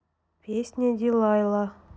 песня дилайла